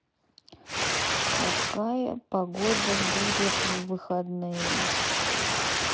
какая погода будет в выходные